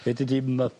Fedri dim yy